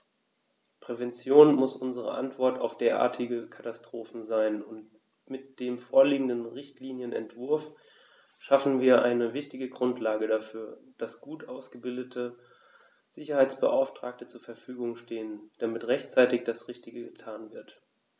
Prävention muss unsere Antwort auf derartige Katastrophen sein, und mit dem vorliegenden Richtlinienentwurf schaffen wir eine wichtige Grundlage dafür, dass gut ausgebildete Sicherheitsbeauftragte zur Verfügung stehen, damit rechtzeitig das Richtige getan wird.